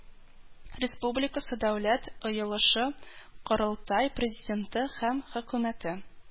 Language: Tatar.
Республикасы Дәүләт ыелышы-Корылтай, Президенты һәм Хөкүмәте